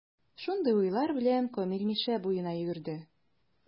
Шундый уйлар белән, Камил Мишә буена йөгерде.